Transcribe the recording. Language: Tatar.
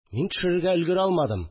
Мин төшерергә өлгерә алмадым